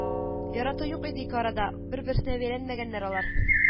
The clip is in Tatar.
Ярату юк иде ике арада, берберсенә бәйләнмәгәннәр алар